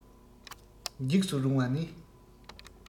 འཇིགས སུ རུང བ ནི